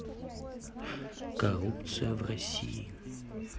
коррупция в россии